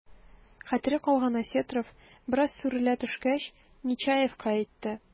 Хәтере калган Осетров, бераз сүрелә төшкәч, Нечаевка әйтте: